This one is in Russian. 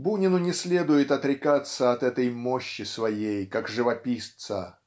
Бунину не следует отрекаться от этой мощи своей как живописца